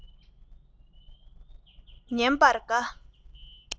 ཉན པར དགའ